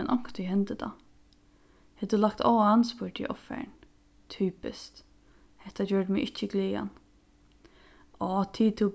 men onkuntíð hendir tað hevur tú lagt á hann spurdi eg ovfarin typiskt hetta gjørdi meg ikki glaðan áh tig tú